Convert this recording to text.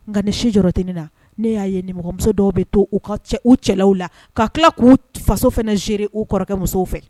Nka nin si jɔt na ne y'a ye nimɔgɔmuso dɔw bɛ to u ka u cɛla la ka tila k'u faso fana ze u kɔrɔkɛ musow fɛ